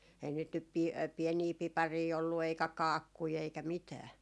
äi niitä nyt - pieniä pipareita ollut eikä kaakkuja eikä mitään